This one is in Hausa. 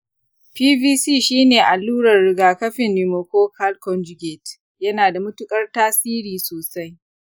pcv shi ne allurar rigakafin pneumococcal conjugate. yana da matuƙar tasiri sosai.